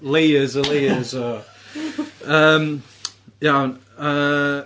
Layers a layers o... yym iawn yy.